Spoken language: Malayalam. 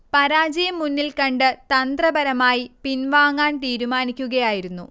പരാജയം മുന്നിൽ കണ്ട് തന്ത്രപരമായി പിൻവാങ്ങാൻ തീരുമാനിക്കുകയായിരുന്നു